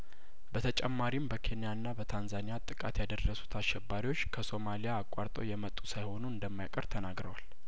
በተጨማሪም በኬንያና በታንዛኒያ ጥቃት ያደረሱት አሸባሪዎች ከሶማሊያ አቋርጠው የመጡ ሳይሆኑ እንደማይቀር ተናግረዋል